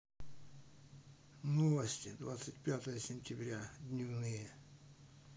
новости двадцать пятое сентября дневные